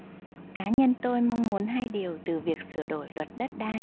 cá nhân tôi mong muốn hai điều từ việc sửa đổi luật đất đai